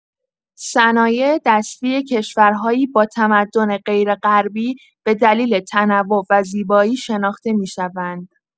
صنایع‌دستی کشورهایی با تمدن غیرغربی به دلیل تنوع و زیبایی شناخته می‌شوند.